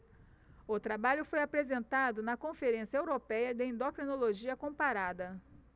o trabalho foi apresentado na conferência européia de endocrinologia comparada